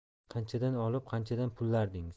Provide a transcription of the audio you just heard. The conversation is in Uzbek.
qanchadan olib qanchadan pullardingiz